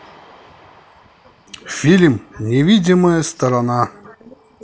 фильм невидимая сторона